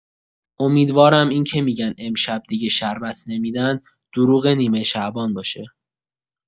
امیدوارم اینکه می‌گن امشب دیگه شربت نمی‌دن دروغ نیمه‌شعبان باشه.